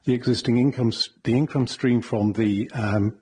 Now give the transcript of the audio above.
The existing incomes- the income stea- stream from the, yym